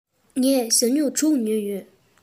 ངས ཞྭ སྨྱུག དྲུག ཉོས ཡོད